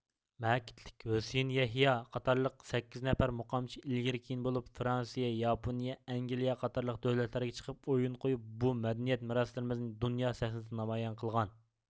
مەكىتلىك ھۈسىيىن يەھيا قاتارلىق سەككىز نەپەر مۇقامچى ئىلگىرى كېيىن بولۇپ فرانسىيە ياپونىيە ئەنگلىيە قاتارلىق دۆلەتلەرگە چىقىپ ئويۇن قويۇپ بۇ مەدەنىيەت مىراسلىرىمىزنى دۇنيا سەھنىسىدە نامايان قىلغان